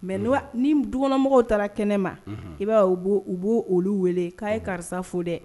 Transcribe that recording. Mɛ ni dukɔnɔmɔgɔw taara kɛnɛ ma i b'a u b'o olu wele k'a ye karisa fo dɛ